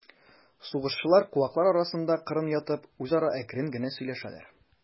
Сугышчылар, куаклар арасында кырын ятып, үзара әкрен генә сөйләшәләр.